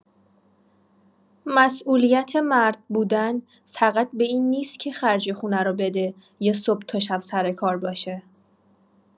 مسئولیت مرد بودن فقط به این نیست که خرج خونه رو بده یا صبح تا شب سر کار باشه.